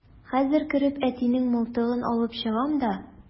Хәзер кереп әтинең мылтыгын алып чыгам да...